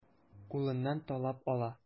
Кулыннан талап ала.